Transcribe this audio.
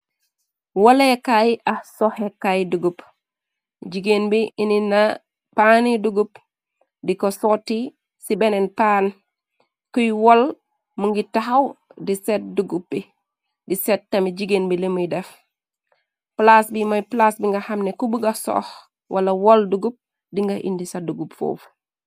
Wolekaay ak soxekaay dugub, jigéen bi indit na paani dugub di ko sooti ci beneen paan, kuy wol mu ngi taxaw di set duggup bi di set tam jigéen bi limuy def, plaas bi mooy plaas bi nga xamne ku buga sox wala wol dugub di nga indi sa dugub foofu.